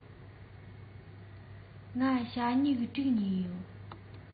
ངས ཞྭ སྨྱུག དྲུག ཉོས ཡོད